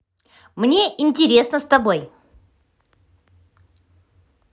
мне интересно с тобой